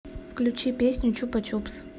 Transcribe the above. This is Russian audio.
включи песню чупа чупс